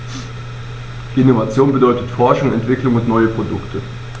Innovation bedeutet Forschung, Entwicklung und neue Produkte.